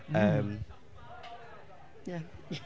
Yym. Ie.